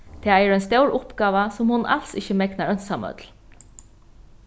tað er ein stór uppgáva sum hon als ikki megnar einsamøll